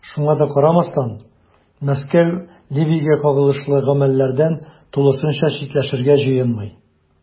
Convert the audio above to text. Шуңа да карамастан, Мәскәү Ливиягә кагылышлы гамәлләрдән тулысынча читләшергә җыенмый.